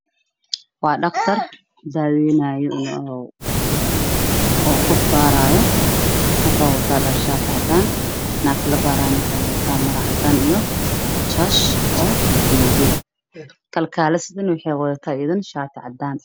Halkaan waxaa ka muuqdo sadex qof oo dhar cadaan ah qabto mid kamid ah waa dhaqtar mid kalena waa kalkaaliso qofka sedexaadna waa bukaankii